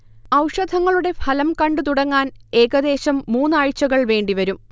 ഔഷധങ്ങളുടെ ഫലം കണ്ടുതുടങ്ങാൻ ഏകദേശം മൂന്നാഴ്ചകൾ വേണ്ടിവരും